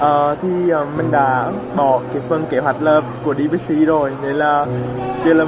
ờ thì mình đã bỏ một phần kế hoạch là đi bigc rồi nên chừ là